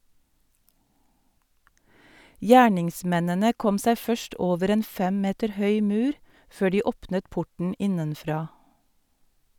Gjerningsmennene kom seg først over en fem meter høy mur, før de åpnet porten innenfra.